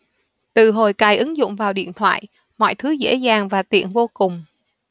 từ hồi cài ứng dụng vào điện thoại mọi thứ dễ dàng và tiện vô cùng